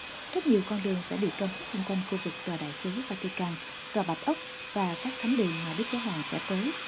rất nhiều con đường sẽ bị cấm xung quanh khu vực tòa đại sứ va ti căn tòa bạch ốc và các thánh đường mà đức giáo hoàng sẽ tới